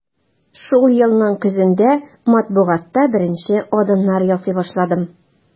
Шул елның көзендә матбугатта беренче адымнар ясый башладым.